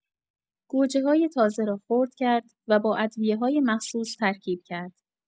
گوجه‌های تازه را خرد کرد و با ادویه‌های مخصوص ترکیب کرد.